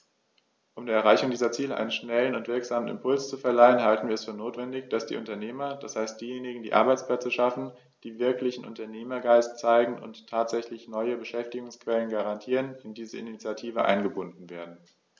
Um der Erreichung dieser Ziele einen schnellen und wirksamen Impuls zu verleihen, halten wir es für notwendig, dass die Unternehmer, das heißt diejenigen, die Arbeitsplätze schaffen, die wirklichen Unternehmergeist zeigen und tatsächlich neue Beschäftigungsquellen garantieren, in diese Initiative eingebunden werden.